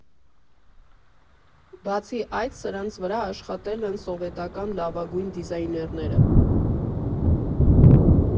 Բացի այդ, սրանց վրա աշխատել են սովետական լավագույն դիզայներները։